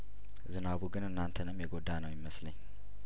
ዝናቡ ግን እናንተንም የጐዳ ነው ሚመስለኝ